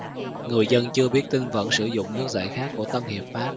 người dân chưa biết tin vẫn sử dụng nước giải khát của tân hiệp phát